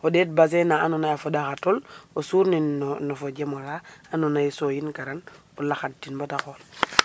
o ɗeet bassin na andoona yee a foɗaxa tol o suurnin no fo jem ola andoona yee sooyinkiran o laxadtin bata xool .